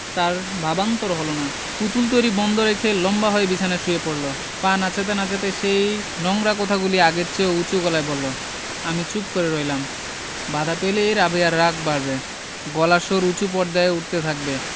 তার ভাবান্তর হলো না পুতুল তৈরী বন্ধ রেখে লম্বা হয়ে বিছানায় শুয়ে পড়লো পা নাচাতে নাচাতে সেই নোংরা কথাগুলি আগের চেয়েও উচু গলায় বললো আমি চুপ করে রইলাম বাধা পেলে রাবেয়ার রাগ বাড়বে গলার স্বর উচু পর্দায় উঠতে থাকবে